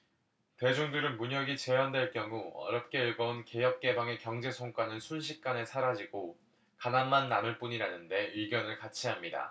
대중들은 문혁이 재연될 경우 어렵게 일궈 온 개혁개방의 경제 성과는 순식간에 사라지고 가난만 남을 뿐이라는데 의견을 같이 합니다